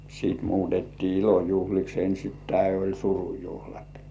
sitten muutettiin ilojuhliksi ensin oli surujuhlat